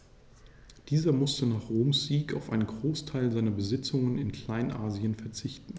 Dieser musste nach Roms Sieg auf einen Großteil seiner Besitzungen in Kleinasien verzichten.